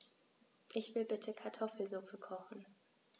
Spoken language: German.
Ich will bitte Kartoffelsuppe kochen.